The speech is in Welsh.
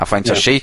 a faint o...